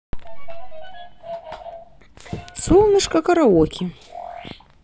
солнышко караоке